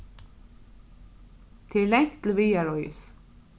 tað er langt til viðareiðis